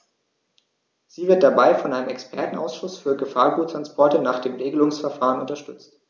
Sie wird dabei von einem Expertenausschuß für Gefahrguttransporte nach dem Regelungsverfahren unterstützt.